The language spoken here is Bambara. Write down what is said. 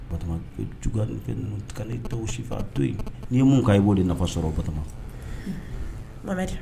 J da sifa to yen n' ye mun ka i b'o nafa sɔrɔ o bama ba